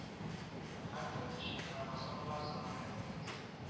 Һәр төр өчен хромосомалар саны бертигез